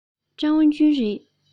ཀྲང ཝུན ཅུན རེད